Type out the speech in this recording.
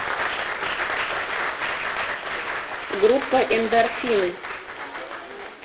группа эндорфины